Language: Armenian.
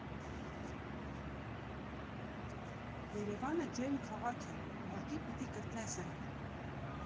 Երևանը ջերմ քաղաք է, ուղղակի պիտի գտնես այն։